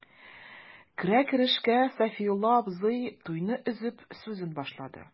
Керә-керешкә Сафиулла абзый, туйны өзеп, сүзен башлады.